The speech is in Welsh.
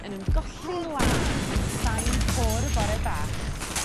...yn ymgolli'n lân yn sain côr y bore bach.